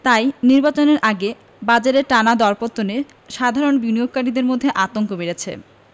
তাই নির্বাচনের আগে বাজারের টানা দরপতনে সাধারণ বিনিয়োগকারীদের মধ্যে আতঙ্ক বেড়েছে